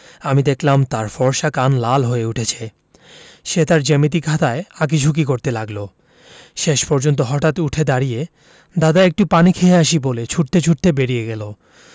আমি দেখলাম তার ফর্সা কান লাল হয়ে উঠছে সে তার জ্যামিতি খাতায় আঁকি ঝুকি করতে লাগলো শেষ পর্যন্ত হঠাৎ উঠে দাড়িয়ে দাদা একটু পানি খেয়ে আসি বলে ছুটতে ছুটতে বেরিয়ে গেল